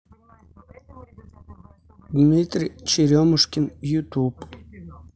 дмитрий черемушкин ютуб